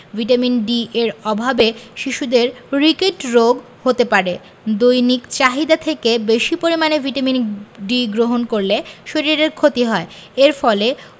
vitamin D এর অভাবে শিশুদের রিকেট রোগ হতে পারে দৈনিক চাহিদা থেকে বেশী পরিমাণে ভিটামিন D গ্রহণ করলে শরীরের ক্ষতি হয় এর ফলে